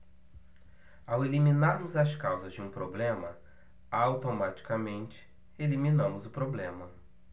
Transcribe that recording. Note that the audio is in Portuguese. ao eliminarmos as causas de um problema automaticamente eliminamos o problema